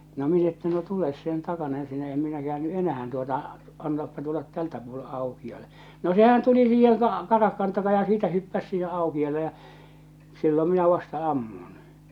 no minä että no tule sen takana ensinnä en minä käänny enää tuota antaapa tulla tältä puolen aukiolle no sehän tuli siihen - karahkan takaa ja siitä hyppäsi siihen aukealle ja silloin minä vasta ammun